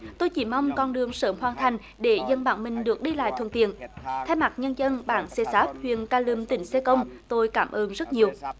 tôi chỉ mong con đường sớm hoàn thành để dân bản mình được đi lại thuận tiện thay mặt nhân dân bản xê sáp huyện ca lừm tỉnh sê công tôi cảm ơn rất nhiều